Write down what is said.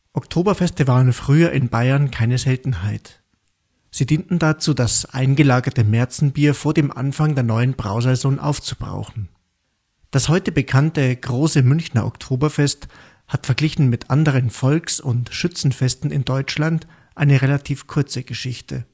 Oktoberfeste waren früher in Bayern keine Seltenheit. Sie dienten dazu, das eingelagerte Märzenbier vor dem Anfang der neuen Brausaison aufzubrauchen. Das heute bekannte große Münchener Oktoberfest hat verglichen mit anderen Volks - und Schützenfesten in Deutschland eine relativ kurze Geschichte